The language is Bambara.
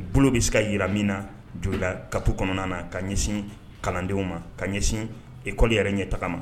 Bolo bɛ se ka yi min na joda katu kɔnɔna na ka ɲɛsin kalandenw ma ka ɲɛsin i kɔli yɛrɛ ɲɛ taga ma